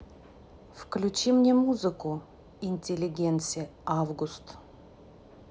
включи мне музыку интелигенси август